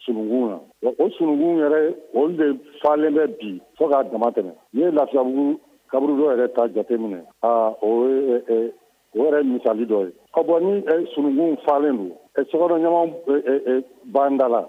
Sununkun o sunkun yɛrɛ olu de falenlen bɛ bi fo k'a dama tɛmɛ n ye Lafiyabugu kaburu dɔ yɛrɛ ta jate minɛ o yɛrɛ misali dɔ ye a bon ni sunkun falenlen don sokɔnɔ ɲaman banda la.